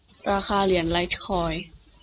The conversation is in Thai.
ราคาเหรียญไลท์คอยน์